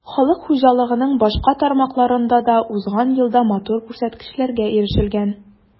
Халык хуҗалыгының башка тармакларында да узган елда матур күрсәткечләргә ирешелгән.